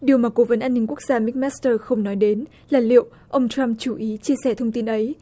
điều mà cố vấn an ninh quốc gia mích mát tơ không nói đến là liệu ông trăm chủ ý chia sẻ thông tin ấy